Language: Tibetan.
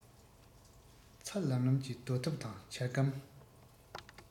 ཚ ལམ ལམ གྱི རྡོ ཐབ དང ཇ སྒམ